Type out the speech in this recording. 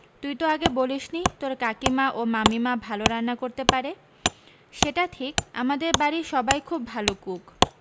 তুই তো আগে বলিস নি তোর কাকীমা ও মামিমা ভালো রান্না করতে পারে সেটা ঠিক আমাদের বাড়ীর সবাই খুব ভালো কুক